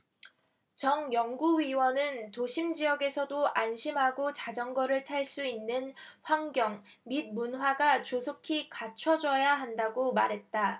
정 연구위원은 도심지역에서도 안심하고 자전거를 탈 수 있는 환경 및 문화가 조속히 갖춰줘야 한다라고 말했다